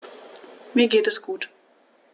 Mir geht es gut.